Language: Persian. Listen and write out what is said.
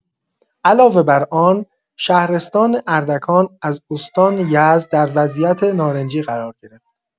علاوه‌بر آن، شهرستان اردکان از استان یزد در وضعیت نارنجی قرار گرفت.